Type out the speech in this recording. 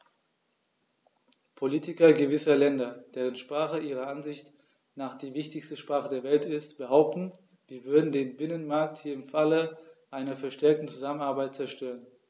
Politiker gewisser Länder, deren Sprache ihrer Ansicht nach die wichtigste Sprache der Welt ist, behaupten, wir würden den Binnenmarkt hier im Falle einer verstärkten Zusammenarbeit zerstören.